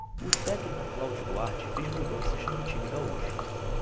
o técnico cláudio duarte fez mudanças no time gaúcho